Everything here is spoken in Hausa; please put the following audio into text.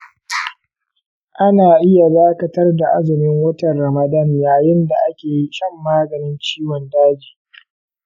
ana iya dakatar da azumin watan ramadan yayin da ake shan maganin ciwon daji.